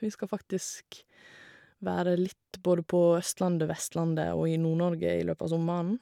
Vi skal faktisk være litt både på Østlandet, Vestlandet og i Nord-Norge i løpet av sommeren.